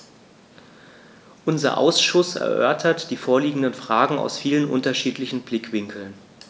Unser Ausschuss erörtert die vorliegenden Fragen aus vielen unterschiedlichen Blickwinkeln.